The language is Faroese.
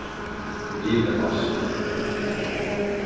rivin ostur